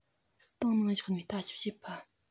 ཏང ནང བཞག ནས ལྟ ཞིབ བྱེད པ